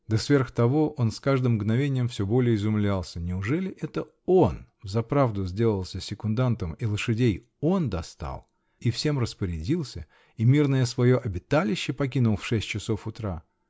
да сверх того он с каждым мгновеньем все более изумлялся: неужели это он взаправду сделался секундантом, и лошадей он достал, и всем распорядился, и мирное свое обиталище покинул в шесть часов утра?